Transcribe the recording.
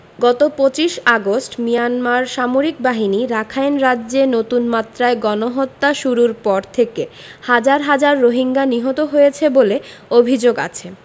গত ২৫ August Myanmar সামরিক বাহিনী রাখাইন রাজ্যে নতুন মাত্রায় গণহত্যা শুরুর পর থেকে হাজার হাজার রোহিঙ্গা নিহত হয়েছে বলে অভিযোগ আছে